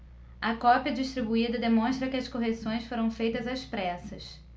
a cópia distribuída demonstra que as correções foram feitas às pressas